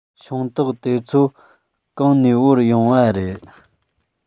ཤིང ཏོག དེ ཚོ གང ནས དབོར ཡོང བ རེད